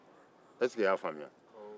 ɛseke i y'a faamuya